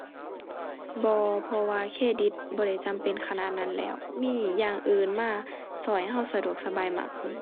บ่ เพราะว่าเครดิตบ่ได้จำเป็นขนาดนั้นแล้ว มีอย่างอื่นมาช่วยช่วยสะดวกสบายมากขึ้น